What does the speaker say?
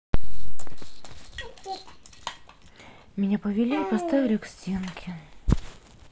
меня повели и поставили к стенке